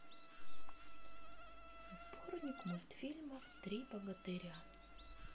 сборник мультфильмов три богатыря